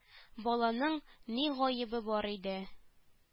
Баланың ни гаебе бар иде